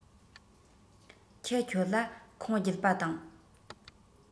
ཁྱི ཁྱོད ལ ཁུངས བརྒྱུད པ དང